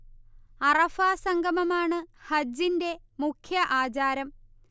അറഫാ സംഗമം ആണു ഹജ്ജിന്റെ മുഖ്യ ആചാരം